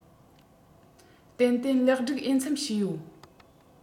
ཏན ཏན ལེགས སྒྲིག འོས འཚམས བྱས ཡོད